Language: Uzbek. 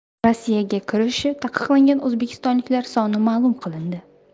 rossiyaga kirishi taqiqlangan o'zbekistonliklar soni ma'lum qilindi